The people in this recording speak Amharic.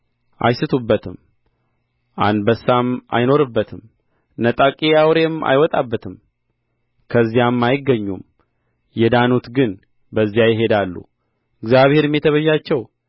አይስቱበትም አንበሳም አይኖርበትም ነጣቂ አውሬም አይወጣበትም ከዚያም አይገኙም የዳኑት ግን በዚያ ይሄዳሉ እግዚአብሔርም የተቤዣቸው